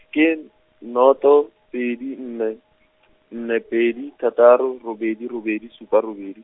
ke, noto, pedi nne, nne pedi thataro robedi robedi supa robedi.